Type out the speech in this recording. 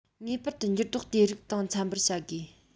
ངེས པར དུ འགྱུར ལྡོག དེ རིགས དང འཚམ པར བྱ དགོས